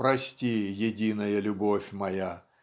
Прости, единая любовь моя.